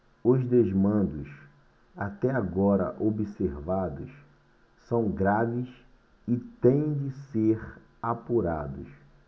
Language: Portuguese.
os desmandos até agora observados são graves e têm de ser apurados